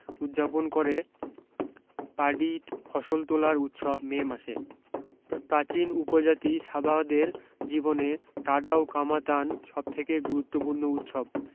উৎযাপন করে পাডিত ফসল তোলার উৎসব মে মাসে প্রাচীন উপজাতি সাবাহদের জীবনে টাডাও কামাতান সবথেকে গুরুত্বপূর্ণ উৎসব